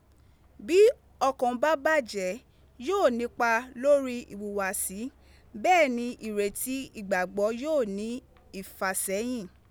Bi okan ba baje, yoo nipa lori ihuwasi; bee ni ireti igbagbo yoo ni ifasehin.